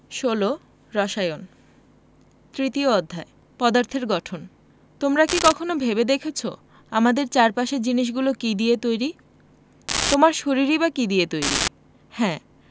১৬ রসায়ন তৃতীয় অধ্যায় পদার্থের গঠন তোমরা কি কখনো ভেবে দেখেছ আমাদের চারপাশের জিনিসগুলো কী দিয়ে তৈরি তোমার শরীরই বা কী দিয়ে তৈরি হ্যাঁ